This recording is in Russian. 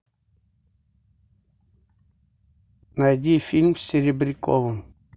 найди фильм с серебряковым